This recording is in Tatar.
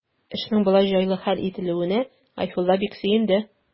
Эшнең болай җайлы хәл ителүенә Гайфулла бик сөенде.